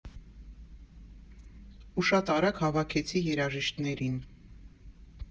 Ու շատ արագ հավաքեցի երաժիշտներին։